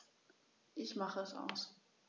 Ich mache es aus.